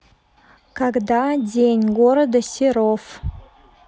когда день города серов